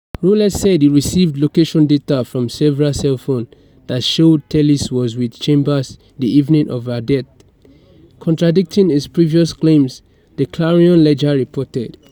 Rowlett said he received location data from several cellphones that showed Tellis was with Chambers the evening of her death, contradicting his previous claims, The Clarion Ledger reported .